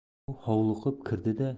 u hovliqib kirdi da